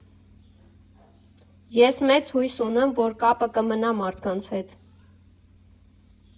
Ես մեծ հույս ունեմ, որ կապը կմնա մարդկանց հետ։